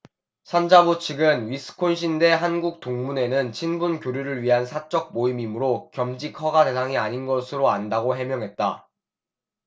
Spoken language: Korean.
산자부 측은 위스콘신대 한국 동문회는 친분교류를 위한 사적 모임이므로 겸직 허가 대상이 아닌 것으로 안다고 해명했다